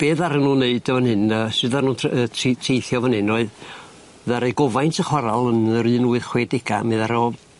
Be' ddaru nw wneud o yn 'yn yy sud ddaru nw'n tr- yy tri- teithio fan 'yn oedd ddaru gofaint y chwaral yn yr un wyth chwe dega mi ddaru o